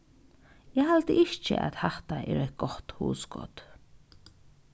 eg haldi ikki at hatta er eitt gott hugskot